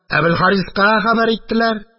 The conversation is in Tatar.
Әбелхариска хәбәр иттеләр.